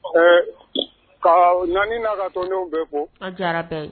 Ɛɛ naani na ka tɔnw bɛ ko